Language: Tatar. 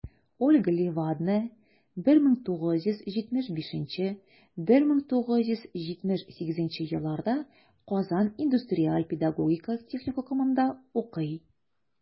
Ольга Левадная 1975-1978 елларда Казан индустриаль-педагогика техникумында укый.